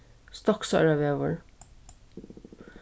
stoksoyrarvegur